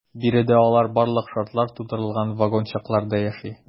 Биредә алар барлык шартлар тудырылган вагончыкларда яши.